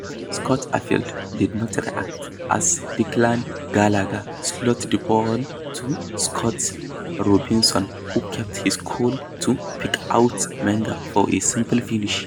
Scott Arfield did not react as Declan Gallagher slotted the ball to Scott Robinson, who kept his cool to pick out Menga for a simple finish.